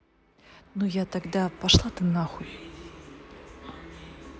ну я тогда пошла ты нахуй